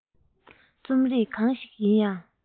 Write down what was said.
རྩོམ རིག གང ཞིག ཡིན ཡང